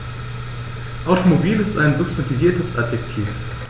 Automobil ist ein substantiviertes Adjektiv.